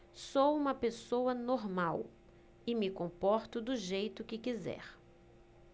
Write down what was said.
sou homossexual e me comporto do jeito que quiser